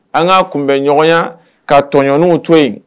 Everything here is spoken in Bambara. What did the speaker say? An k'a kun bɛ ɲɔgɔn ka tɔɔnw to yen